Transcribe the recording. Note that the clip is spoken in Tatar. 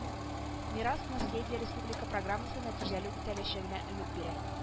Мирас-наследие республика программасы нәтиҗәле үтәләчәгенә өмет бирә